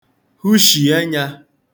hụshì ẹnyā